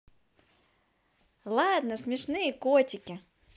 ладно смешные котики